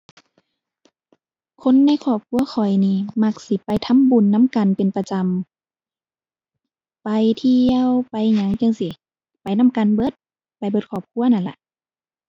คนในครอบครัวข้อยนี้มักสิไปทำบุญนำกันเป็นประจำ ไปเที่ยว ไปหยังจั่งซี้ ไปนำกันเบิด ไปเบิดครอบครัวนั่นล่ะ